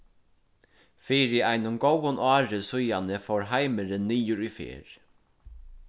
fyri einum góðum ári síðani fór heimurin niður í ferð